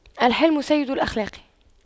الحِلْمُ سيد الأخلاق